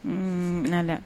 Un, N'Allah.